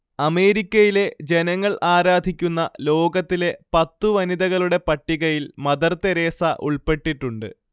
അമേരിക്കയിലെ ജനങ്ങൾ ആരാധിക്കുന്ന ലോകത്തിലെ പത്തു വനിതകളുടെ പട്ടികയിൽ മദർ തെരേസ ഉൾപ്പെട്ടിട്ടുണ്ട്